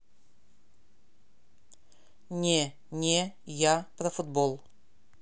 не не я про футбол